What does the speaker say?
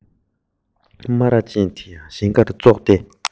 སྨ ར ཅན དེ ཡང ཞིང ཁར ཙོག སྟེ